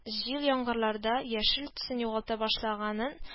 Җил-яңгырларда яшел төсен югалта башлаганын